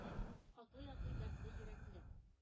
Атлый-атлый дәртле, йөрәкле,